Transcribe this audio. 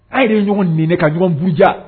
A ye ɲɔgɔn nin ka ɲɔgɔn bja